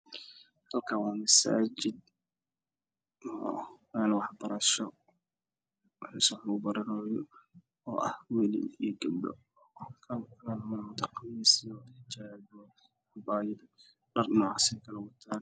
Halkaan waa masaajid oo wax lugu baranaaya oo ay joogaan wiilal iyo gabdho, oo waxay wataan qamiisyo iyo xijaabo, cabaayado.